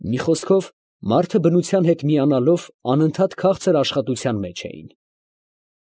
Մի խոսքով, մարդը բնության հետ միանալով անընդհատ քաղցր աշխատության մեջ էին։